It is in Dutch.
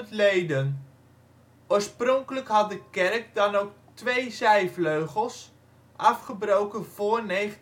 leden. Oorspronkelijk had de kerk dan ook twee zijvleugels (afgebroken vóór 1964